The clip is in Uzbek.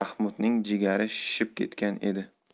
mahmudning jigari shishib ketgan edi